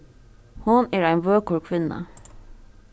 hon er ein vøkur kvinna